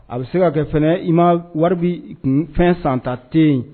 A bɛ se ka kɛ f i ma wari kun fɛn san tan tɛ yen